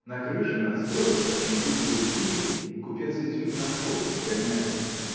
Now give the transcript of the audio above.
На крыше надстройка, приют голубей, – купец Изюмин охотник гонять их